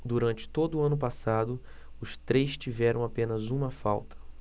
durante todo o ano passado os três tiveram apenas uma falta